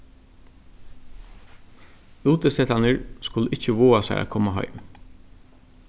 útisetarnir skulu ikki vága sær at koma heim